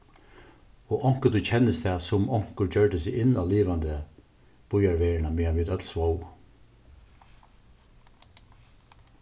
og onkuntíð kennist tað sum onkur gjørdi seg inn á livandi býarveruna meðan vit øll svóvu